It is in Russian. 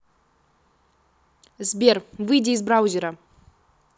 сбер выйди из браузера